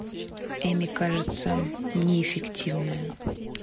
amy кажется неэффективная